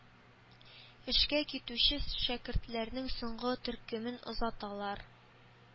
Эшкә китүче шәкертләрнең соңгы төркемен озаталар.